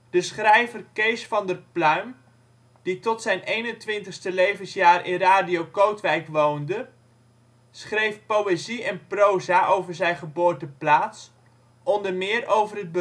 De schrijver Cees van der Pluijm, die tot zijn 21e levensjaar in Radio Kootwijk woonde, schreef poëzie en proza over zijn geboorteplaats (onder meer over